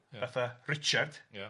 ...fatha Richard. Ia.